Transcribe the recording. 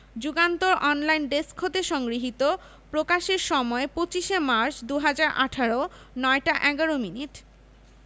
Jugantor online desk হতে সংগৃহীত প্রকাশের সময় ২৫ মার্চ ২০১৮ ০৯ টা ১১ মিনিট